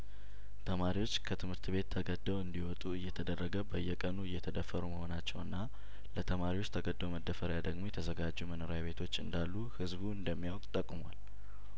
ተማሪዎች ከትምህርት ቤት ተገድደው እንዲወጡ እየተደረገ በየቀኑ እየተደፈሩ መሆናቸውና ለተማሪዎች ተገዶ መደፈሪያ ደግሞ የተዘጋጁ መኖሪያ ቤቶች እንዳሉ ህዝቡ እንደሚያውቅ ተጠቁሟል